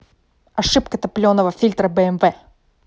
ошибка топленого фильтра бмв